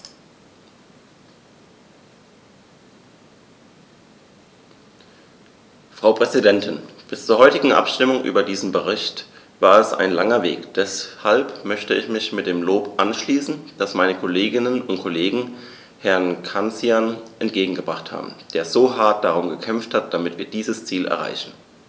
Frau Präsidentin, bis zur heutigen Abstimmung über diesen Bericht war es ein langer Weg, deshalb möchte ich mich dem Lob anschließen, das meine Kolleginnen und Kollegen Herrn Cancian entgegengebracht haben, der so hart darum gekämpft hat, damit wir dieses Ziel erreichen.